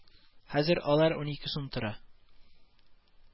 Хәзер алар унике сум тора